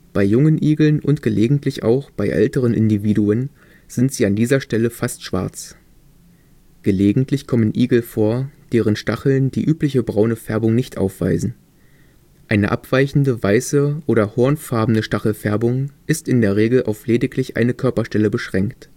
Bei jungen Igeln und gelegentlich auch bei älteren Individuen sind sie an dieser Stelle fast schwarz. Gelegentlich kommen Igel vor, deren Stacheln die übliche braune Färbung nicht aufweisen. Eine abweichende weiße oder hornfarbene Stachelfärbung ist in der Regel auf lediglich eine Körperstelle beschränkt